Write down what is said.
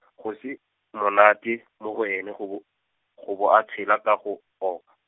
go se, monate, mo go ene go bo, go bo a tshela ka go, o .